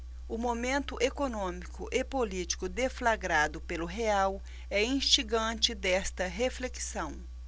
o momento econômico e político deflagrado pelo real é instigante desta reflexão